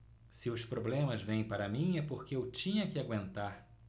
se os problemas vêm para mim é porque eu tinha que aguentar